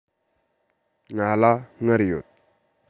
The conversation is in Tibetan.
ང ལ དངུལ ཡོད